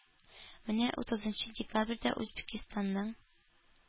Менә утызынчы декабрьдә Үзбәкстанның